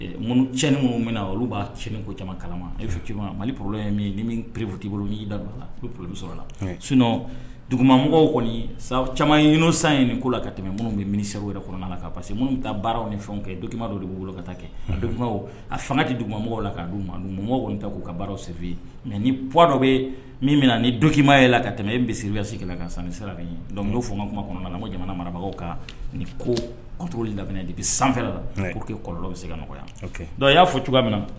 Mun ti na olu b'a ko caman kalama e mali p ye min ni min perebufuti bolo' don la sɔrɔ sun duguma mɔgɔw kɔni caman san ye nin ko la ka tɛmɛ minnu bɛ miniw wɛrɛ kɔnɔna la parce que minnu bɛ taa baaraw ni fɛn kɛ doki dɔw de' bolo ka taa kɛ bɛ a fanga di duguma mɔgɔw la k' don mɔgɔ kɔni ta k'u ka baaraw sen mɛ niwa dɔ bɛ yen min min na ni dukima ye la ka tɛmɛ e bɛsiriyasi ka ni sara don f fɔma kuma kɔnɔ na la n ko jamana marabagaw kan ni koli labɛn de bɛ sanfɛ la k'o kɛ kɔlɔnlɔ bɛ se ka nɔgɔya yan i y'a fɔ cogoya min na